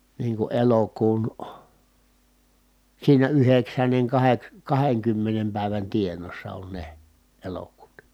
niin kun elokuun siinä yhdeksännen - kahdenkymmenen päivän tienoossa on ne elokuuta